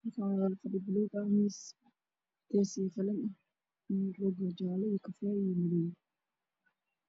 Halkaan waxaa yaalo fadhi buluug ah, miis cadeys iyo qalin ah, roogu waa jaale, kafay iyo madow.